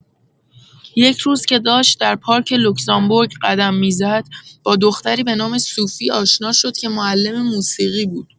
یک روز که داشت در پارک لوکزامبورگ قدم می‌زد، با دختری به نام سوفی آشنا شد که معلم موسیقی بود.